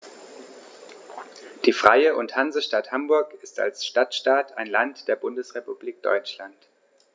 Die Freie und Hansestadt Hamburg ist als Stadtstaat ein Land der Bundesrepublik Deutschland.